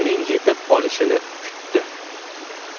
uning yetib kelishini kutdi